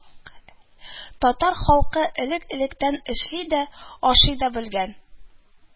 Татар халкы элек-электән эшли дә, ашый да белгән